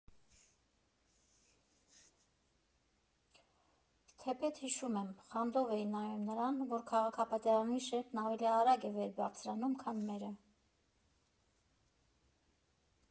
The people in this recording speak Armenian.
Թեպետ, հիշում եմ, խանդով էի նայում նրան, որ քաղաքապետարանի շենքն ավելի արագ է վեր բարձրանում, քան մերը…